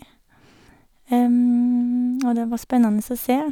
Og det var spennende å se.